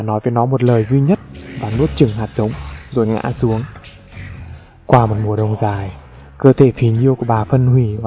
bà nói với nó một lời duy nhất và nuốt chửng hạt giống rồi ngã xuống qua một mùa đông dài cơ thể phì nhiêu của bà phân hủy